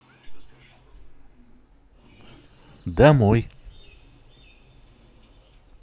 домой